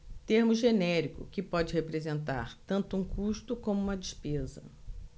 termo genérico que pode representar tanto um custo como uma despesa